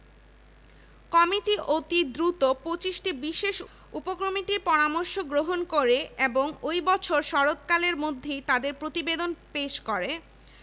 কমিটির মতে যুক্তরাজ্যের ম্যানচেস্টার লিডস লিভারপুল প্রভৃতি আধুনিক বিশ্ববিদ্যালয়ের ন্যায় এ প্রতিষ্ঠানটি হবে একক আবাসিক শিক্ষাক্ষেত্র